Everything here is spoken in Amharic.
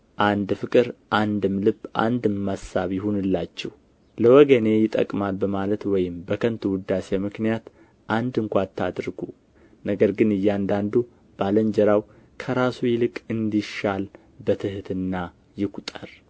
አንድ ፍቅር አንድም ልብ አንድም አሳብ ይሁንላችሁ ለወገኔ ይጠቅማል በማለት ወይም በከንቱ ውዳሴ ምክንያት አንድ እንኳ አታድርጉ ነገር ግን እያንዳንዱ ባልንጀራው ከራሱ ይልቅ እንዲሻል በትሕትና ይቍጠር